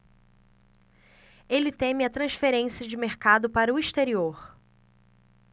ele teme a transferência de mercado para o exterior